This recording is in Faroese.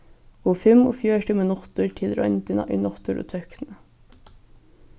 og fimmogfjøruti minuttir til royndina í náttúru og tøkni